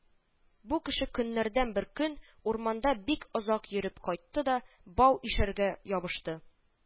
Бу кеше көннәрдән бер көн урманда бик озак йөреп кайтты да бау ишәргә ябышты